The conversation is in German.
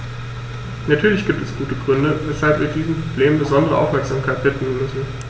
Natürlich gibt es gute Gründe, weshalb wir diesem Problem besondere Aufmerksamkeit widmen müssen.